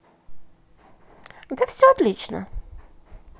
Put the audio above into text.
да все отлично